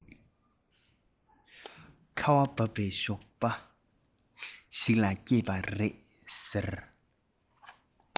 ཁ བ བབས པའི ཞོགས པ ཞིག ལ སྐྱེས པ རེད ཟེར